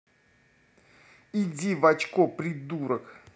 иди в очко придурок